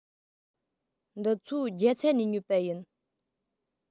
འདི ཚོ རྒྱ ཚ ནས ཉོས པ ཡིན